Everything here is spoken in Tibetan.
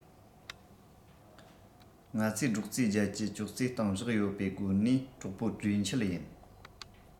ང ཚོས སྒྲོག ཙེ བརྒྱད བཅུ ཅོག ཙེའི སྟེང བཞག ཡོད པའི སྒོ ནས རོགས གྲོགས པོ གྲོས མཆེད ཡིན